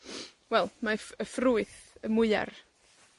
wel, mae ff- y ffrwyth, y mwyar,